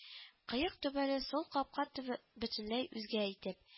Кыек түбәле сул капка төбе бөтенләй үзгә итеп